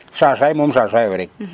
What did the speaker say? sasay mom sasayo rek